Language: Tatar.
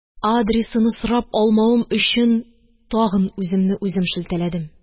Адресыны сорап алмавым өчен, тагын үземне үзем шелтәләдем